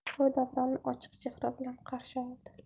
u davronni ochiq chehra bilan qarshi oldi